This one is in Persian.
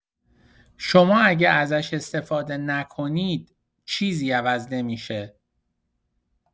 شما اگه ازش استفاده نکنید، چیزی عوض نمی‌شه